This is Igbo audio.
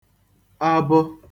abọ